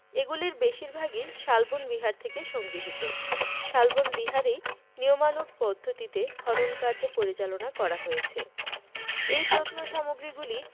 এগুলির বেশিরভাগই শালবন বিহার থেকে সংগৃহীত শালবন বিহারেই নিয়মানুগ পদ্ধতিতে খননকার্য পরিচালনা করা হয়েছে এই প্রত্নসামগ্রীগুলি